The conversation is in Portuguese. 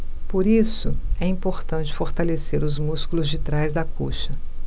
por isso é importante fortalecer os músculos de trás da coxa